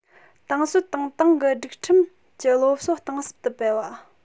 ཏང སྲོལ དང ཏང གི སྒྲིག ཁྲིམས ཀྱི སློབ གསོ གཏིང ཟབ ཏུ སྤེལ བ